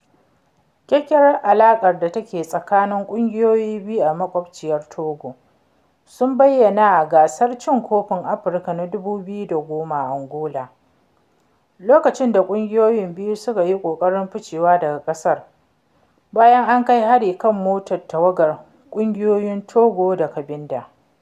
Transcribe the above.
Ƙwaƙƙwarar alaƙar da take tsakanin ƙungiyoyin biyu da maƙwabciyar Togo sun bayyana a Gasar Cin Kofin Afirka na 2010 a Angola, lokacin da ƙungiyoyin biyu suka yi ƙoƙarin ficewa daga gasar bayan an kai hari kan motar tawagar ƙungiyar Togo a Cabinda.